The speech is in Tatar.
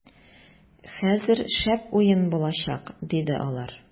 - хәзер шәп уен булачак, - диде алар.